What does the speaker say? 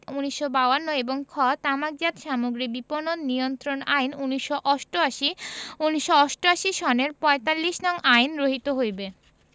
১৯৫২ এবং খ তামাকজাত সামগ্রী বিপণন নিয়ন্ত্রণ আইন ১৯৮৮ ১৯৮৮ সনের ৪৫ নং আইন রহিত হইবে